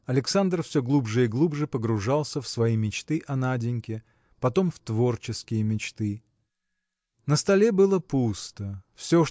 Александр все глубже и глубже погружался в свои мечты о Наденьке потом в творческие мечты. На столе было пусто. Все